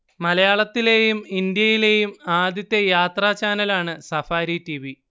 മലയാളത്തിലെയും ഇന്ത്യയിലെയും ആദ്യത്തെ യാത്രാചാനലാണ് സഫാരി ടിവി